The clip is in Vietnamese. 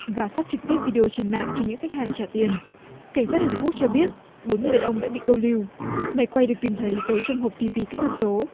và phát trực tiếp vi đi ô trên mạng cho những khách hàng trả tiền cảnh sát hàn quốc cho biết bốn người đàn ông đã bị câu lưu máy quay được tìm thấy dấu trong hộp ti vi kỹ thuật số